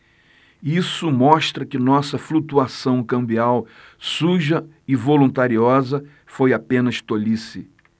isso mostra que nossa flutuação cambial suja e voluntariosa foi apenas tolice